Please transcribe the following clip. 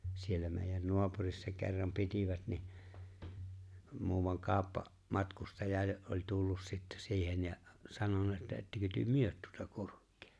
siellä meidän naapurissa kerran pitivät niin muuan - kauppamatkustaja jo oli tullut sitten siihen ja sanonut että ettekö te myy tuota kurkea